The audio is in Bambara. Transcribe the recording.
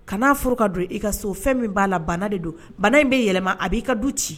Kana furu ka don i ka so. du Fɛn min b'a la, banan de don. Banan in bɛ yɛlɛma. A b'i ka du ci.